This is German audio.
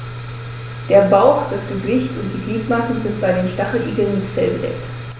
Der Bauch, das Gesicht und die Gliedmaßen sind bei den Stacheligeln mit Fell bedeckt.